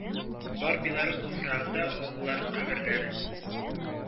Бар белорус туфрагында авылларның каберләре